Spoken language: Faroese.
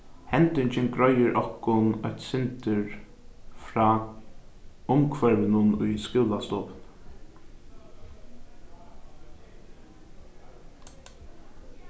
hendingin greiðir okkum eitt sindur frá umhvørvinum í skúlastovuni